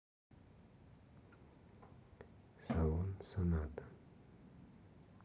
салон соната